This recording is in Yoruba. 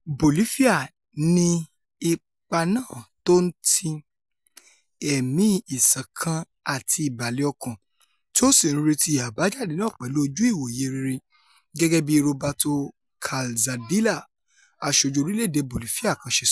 Bolifia ni ipá náà tó ńti, ẹ̀mí ìṣọ̀kan àti ìbàlẹ̀-ọkàn, tí ó sì ńretí àbájáde náà pẹ̀lú ojú-ìwòye rere,'' gẹgẹ bíi Roberto Calzadilla, aṣojú orílẹ̀-èdè Bolifia kan ṣe sọ.